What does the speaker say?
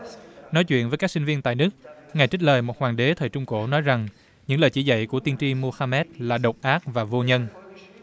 nói chuyện với các sinh viên tại đức ngài trích lời một hoàng đế thời trung cổ nói rằng những lời chỉ dạy của tiên tri mô ha mét là độc ác và vô nhân